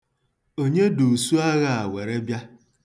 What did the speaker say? Onye du usuagha a were bịa?